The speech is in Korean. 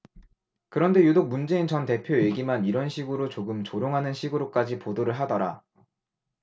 그런데 유독 문재인 전 대표 얘기만 이런 식으로 조금 조롱하는 식으로까지 보도를 하더라